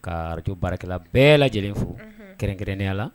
Kaj baarakɛla bɛɛ lajɛlen fo kɛrɛnkɛrɛnnenya la